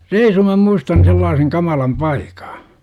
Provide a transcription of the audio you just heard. reisun minä muistan sellaisen kamalan paikan